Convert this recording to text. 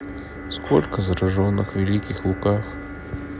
сколько зараженных в великих луках